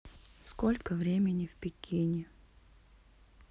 сколько времени в пекине